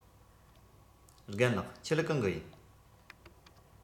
རྒན ལགས ཁྱེད གང གི ཡིན